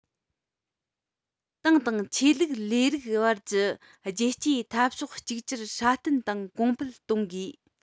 ཏང དང ཆོས ལུགས ལས རིགས བར གྱི རྒྱལ གཅེས འཐབ ཕྱོགས གཅིག གྱུར སྲ བརྟན དང གོང འཕེལ གཏོང དགོས